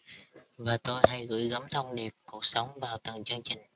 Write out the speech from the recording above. và tôi hay gửi gắm thông điệp cuộc sống vào từng chương trình